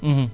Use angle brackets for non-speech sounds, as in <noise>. <hesitation> <hesitation>